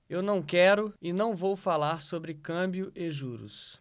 eu não quero e não vou falar sobre câmbio e juros